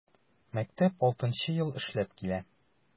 Мәктәп 6 нчы ел эшләп килә.